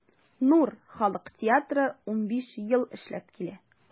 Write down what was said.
“нур” халык театры 15 ел эшләп килә.